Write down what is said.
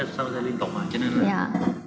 pha dê liên tục mà cho nên